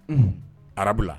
Unhn arabu la